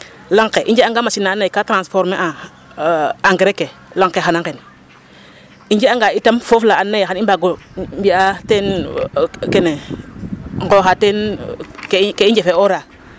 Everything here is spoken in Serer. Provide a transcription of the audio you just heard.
Lang ke i njeganga machine na andoona yee ka tranformer a engrais ke lang ke xan a nqen i njeganga itam foof la andoona yee xan i mbaag o mbi'aa teen kene nqooxqa teen ke i njafe'oora xaƴa foogum xay i mbaag o jof mbamir .